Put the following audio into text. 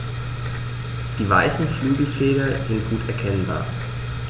Die weißen Flügelfelder sind gut erkennbar.